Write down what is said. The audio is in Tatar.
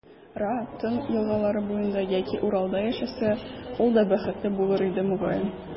Ра, Тын елгалары буенда яки Уралда яшәсә, ул да бәхетле булыр иде, мөгаен.